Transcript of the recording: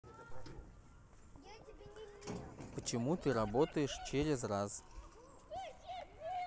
почему ты работаешь через раз